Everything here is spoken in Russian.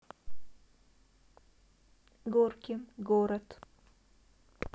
горки город